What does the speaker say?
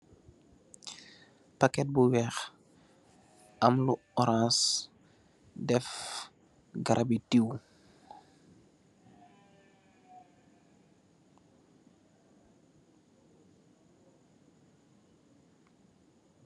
Packet bu weex am lu orance def carawe dew.